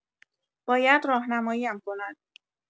باید راهنمایی‌ام کند.